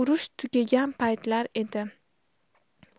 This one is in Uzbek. urush tugagan paytlar edi